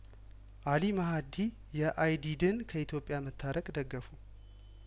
አሊ ማ ሀዲ የአይዲድን ከኢትዮጵያ መታረቅ ደገፉ